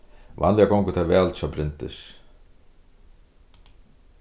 vanliga gongur tað væl hjá bryndis